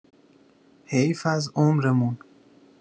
حیف از عمرمون